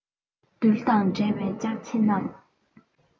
རྡུལ དང འདྲེས པའི ལྕགས ཕྱེ རྣམས